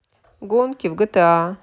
гонки в гта